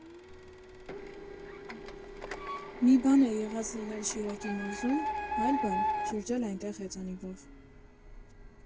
Մի բան է եղած լինել Շիրակի մարզում, այլ բան՝ շրջել այնտեղ հեծանիվով։